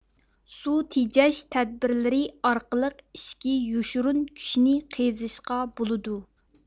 سۇ تېجەش تەدبىرلىرى ئارقىلىق ئىچكى يوشۇرۇن كۈچنى قېزىشقا بولىدۇ